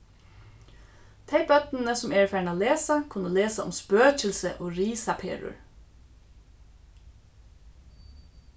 tey børnini sum eru farin at lesa kunnu lesa um spøkilsi og risaperur